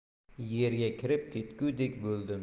yerga kirib ketgudek bo'ldim